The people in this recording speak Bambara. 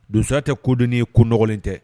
Donsoya tɛ kodnin ko nɔgɔlen tɛ